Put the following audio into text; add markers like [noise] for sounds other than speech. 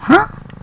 [hesitation]